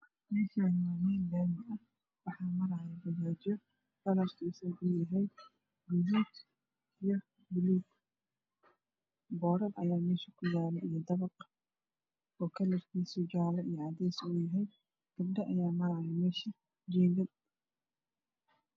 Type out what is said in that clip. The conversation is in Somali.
Meeshaan waa laami waxaa maraayo bajaaj kalarkiisa yahay gaduud iyo baluug buurar iyo dabaq ayaa meesha kuyaalo oo kalarkiisa yahay jaalo iyo cadees gabdho. Ayaa maraa meesha. iyo. wilal